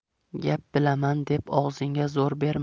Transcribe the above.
gap bilaman deb og'zingga zo'r berma